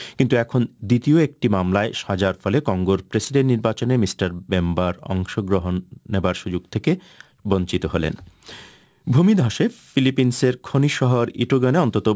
কিন্তু এখন দ্বিতীয় একটি মামলায় সাজার ফলে কঙ্গোর প্রেসিডেন্ট নির্বাচনে মিস্টার বেম্বার অংশগ্রহণ নেবার সুযোগ থেকে বঞ্চিত হলেন ভূমিধসে ফিলিপিন্সের খনি শহর ইটোগেনে অন্তত